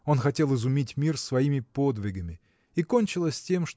он хотел изумить мир своими подвигами. и кончилось тем